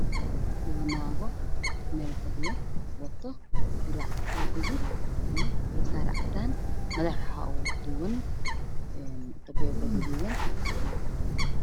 Waa naga wato dirac arrinta somalia kuna socda ka fadhiyaan guduud